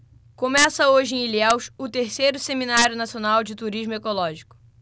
começa hoje em ilhéus o terceiro seminário nacional de turismo ecológico